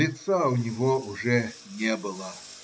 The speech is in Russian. Лица у него уже не было.